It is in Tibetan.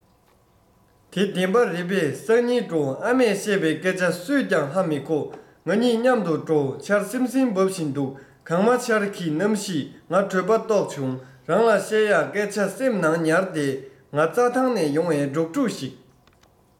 དེ འདེན པ རེད པས སང ཉིན འགྲོ ཨ མས བཤད པའི སྐད ཆ སུས ཀྱང ཧ མི གོ ང ཉིད མཉམ དུ འགྲོ ཆར སིམ སིམ བབས བཞིན འདུག གངས མ ཆར གི གནམ གཤིས ང གྲོད པ ལྟོགས བྱུང རང ལ བཤད ཡ སྐད ཆ སེམས ནང ཉར བསྡད ང རྩ ཐང ནས ཡོང བའི འབྲོག ཕྲུག ཞིག